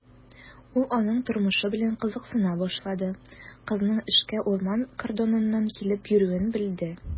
Ул аның тормышы белән кызыксына башлады, кызның эшкә урман кордоныннан килеп йөрүен белде.